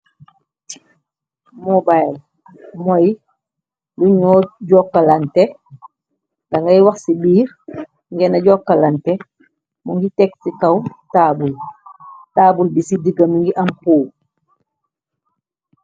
Mobayil mooy luñoo jokkalante, dangay wax ci biir ngena jokkalante, mu ngi teg ci kaw taabul, taabul bi ci diga mingi am puul.